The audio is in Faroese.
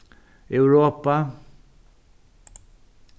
europa